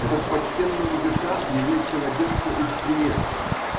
Этот почтенный негоциант явился в Одессу из Триеста.